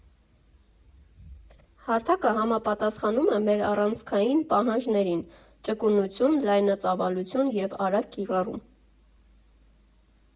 Հարթակը համապատասխանում է մեր առանցքային պահանջներին՝ ճկունություն, լայնածավալություն և արագ կիրառում։